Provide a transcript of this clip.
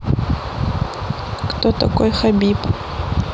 кто такой хабиб